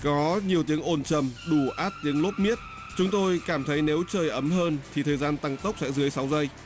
có nhiều tiếng ồn trầm đủ át tiếng lốp miết chúng tôi cảm thấy nếu trời ấm hơn thì thời gian tăng tốc sẽ dưới sáu giây